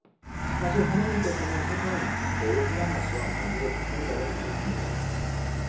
사실 하느님께서는 세상을 매우 사랑하시어 자기의 독생자를 주셨습니다